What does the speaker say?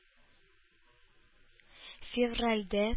Февральдә